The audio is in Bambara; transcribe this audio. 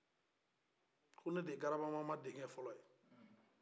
ko ne de ye grabamama denkɛ fɔlo ye